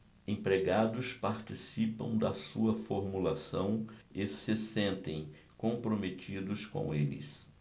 empregados participam da sua formulação e se sentem comprometidos com eles